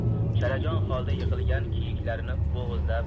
chalajon holda yiqilgan kiyiklarni bo'g'izlab